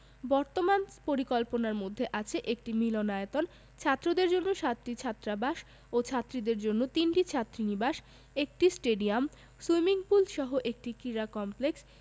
বর্তমান পরিকল্পনার মধ্যে আছে একটি মিলনায়তন ছাত্রদের জন্য সাতটি ছাত্রাবাস ও ছাত্রীদের জন্য তিনটি ছাত্রীনিবাস একটি স্টেডিয়াম সুইমিং পুলসহ একটি ক্রীড়া কমপ্লেক্স